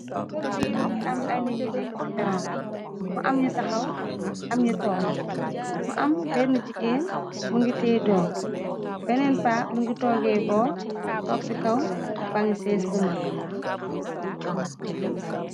Keur bi mogi am ay nit ñu nekka ci kanamam mu am ñu taxaw am ñu toog mu am benn jigeen mu ngi teey doom beneen pa mu ngi toogee boor toh si kaw bangi sees bu maag.